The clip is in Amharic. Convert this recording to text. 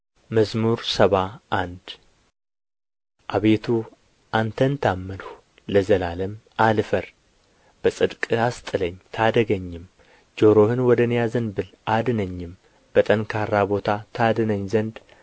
መዝሙር ሰባ አንድ አቤቱ አንተን ታመንሁ ለዘላለም አልፈር በጽድቅህ አስጥለኝ ታደገኝም ጆሮህን ወደ እኔ አዘንብል አድነኝም በጠንካራ ቦታ ታድነኝ ዘንድ